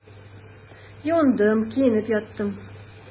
Юындым, киенеп яттым.